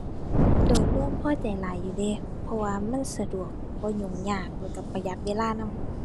โดยรวมพอใจหลายอยู่เดะ เพราะว่ามันสะดวก บ่ยุ่งยากแล้วก็ประหยัดเวลานำ